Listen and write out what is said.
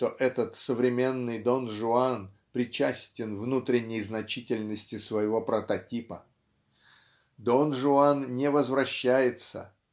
что этот современный Дон Жуан причастен внутренней значительности своего прототипа. Дон Жуан не возвращается